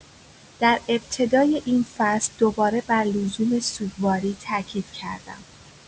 در ابتدای این فصل، دوباره بر لزوم سوگواری تاکید کردم.